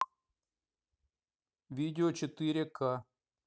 видео четыре ка